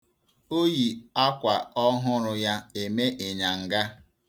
O yi akwa ọhụrụ ya eme ịnyanga.